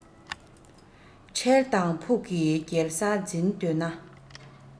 འཕྲལ དང ཕུགས ཀྱི རྒྱལ ས འཛིན འདོད ན